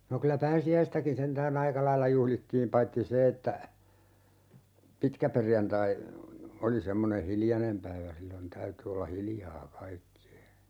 no kyllä pääsiäistäkin sentään aika lailla juhlittiin paitsi se että pitkäperjantai oli semmoinen hiljainen päivä silloin täytyi olla hiljaa kaikkien